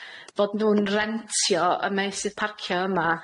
fod nw'n rentio y meysydd parcio yma